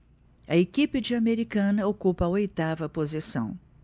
a equipe de americana ocupa a oitava posição